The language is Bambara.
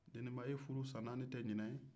deniba e furu san naani tɛ ɲinan ye